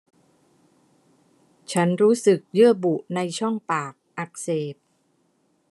ฉันรู้สึกเยื่อบุในช่องปากอักเสบ